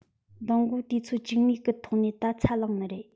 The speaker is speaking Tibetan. མདའ དགོང དུས ཚོད བཅུ གཉིས གི ཐོག ནས ད ཚ ལངས ནི རེད